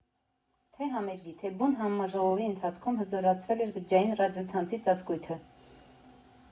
Թե՛ համերգի, թե՛ բուն համաժողովի ընթացքում հզորացվել էր բջջային ռադիո֊ցանցի ծածկույթը։